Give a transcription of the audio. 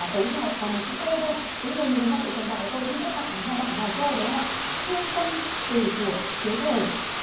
tấu hài toàn bằng chữ tê thôi thế bây giờ nhìn hai vợ chồng bạn tôi cũng xin phép tặng hai bạn vài câu được không ạ thương tâm từ thuở thiếu thời